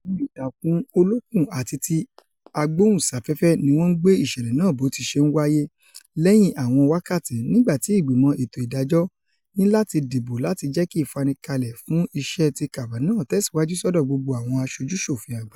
Àwọn ìtàkùn olókùn àti ti agbóhùnsáfẹ́fẹ́ ní wọ́n ńgbé ìṣẹ̀lẹ̀ náà bótiṣe ńwáyé lẹ́yìn àwọn wákàtí, nígbà tí Ìgbìmọ̀ Ètò Ìdájọ́ ní láti dìbò láti jẹ́kí ìfanikalẹ̀ fún iṣẹ́ ti Kavanaugh tẹ̀síwájú sọ́dọ̀ gbogbo àwọn Aṣojú-ṣòfin Àgbà.